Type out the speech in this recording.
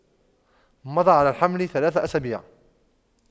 مضى على الحمل ثلاث أسابيع